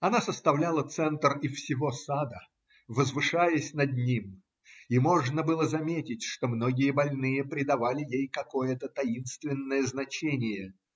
Она составляла центр и всего сада, возвышаясь над ним, и можно было заметить, что многие больные придавали ей какое-то таинственное значение.